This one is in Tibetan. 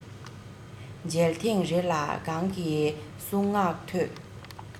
མཇལ ཐེངས རེ ལ གང གི གསུང ངག ཐོས